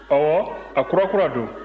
ɔwɔ a kurakura don